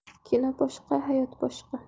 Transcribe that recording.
kino boshqa hayot boshqa